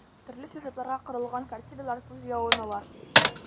Төрле сюжетларга корылган картиналар күз явын ала.